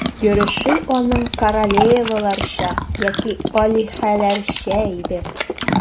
Йөреше аның королеваларча яки алиһәләрчә иде.